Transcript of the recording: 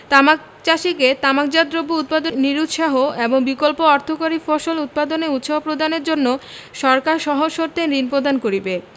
তামাক চাষীকে তামাকজাত দ্রব্য উৎপাদনে নিরুৎসাহ এবং বিকল্প অর্থকরী ফসল উৎপাদনে উৎসাহ প্রদানের জন্য সরকার সহজ শর্তে ঋণ প্রদান করিবে